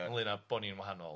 ynglyn â bo' ni'n wahanol.